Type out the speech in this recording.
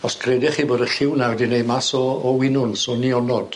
Os credech chi bod y lliw 'na wedi neud mas o o winwns o nionod.